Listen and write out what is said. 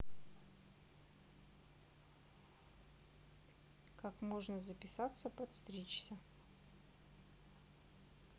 как можно записаться подстричься